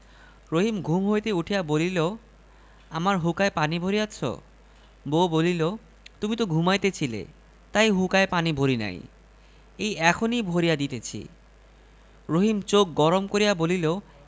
আট কলা রহিম শেখ বড়ই রাগী মানুষ কোনো কাজে একটু এদিক ওদিক হইলেই সে তার বউকে ধরিয়া বেদম মারে সেদিন বউ সকালে সকালে উঠিয়া ঘর দোর ঝাট দিতেছে